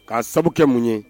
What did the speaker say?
K'a sababu kɛ mun ye